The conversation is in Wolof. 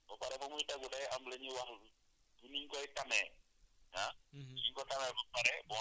maanaam ndox bi fu muy tegu ba pare fa muy tegu day am lu ñuy luñ koy tamee ah